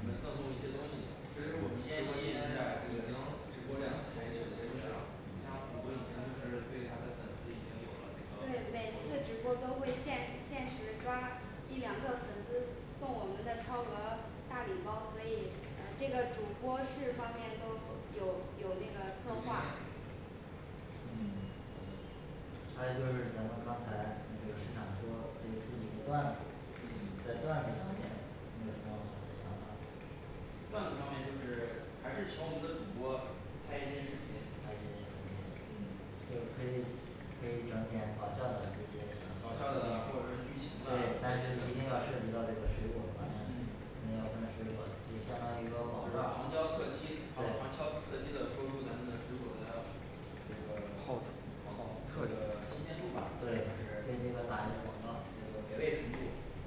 我们赠嗯送一些东西，所以说我们先吸引一下这个零直播量，你像嗯主播已经就是对他的粉丝已经有了那个呃对，每次直播都会限时限时抓一两个粉丝送我们的超额大礼包，所以呃这个主播室方面都有有那个策营划。业嗯还有就是咱们刚才你这个市场说可以出几个段子嗯在段子方面你有什么好的想法段子方面就是还是请我们的主播拍一些视频拍一些小视频嗯这个可以可以整点搞笑的这些小搞笑的或者是剧情对，的但是一定要涉及到这个水果儿方面嗯，一定要跟水果儿也相当于就是一个广告旁敲侧击旁旁对敲侧击的说出咱们水果儿的这个好好好这个新鲜度吧，对，对这个打一个广这个告美味程度。